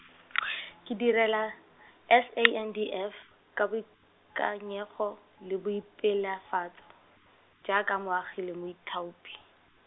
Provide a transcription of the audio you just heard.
ke direla, S A N D F, ka boikanyego, le boipelafatso, jaaka moagi le moithaopi.